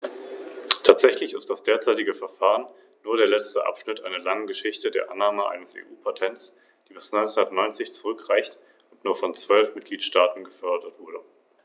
Wir fragen uns oft, vor allem im Ausschuss für Industrie, Forschung und Energie, wie wir genau diese Gruppe von Unternehmen darin bestärken können, Innovationen einzuführen und ihre eigenen Erfindungen zu patentieren.